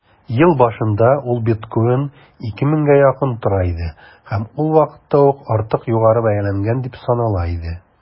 Ел башында ук биткоин 2 меңгә якын тора иде һәм ул вакытта ук артык югары бәяләнгән дип санала иде.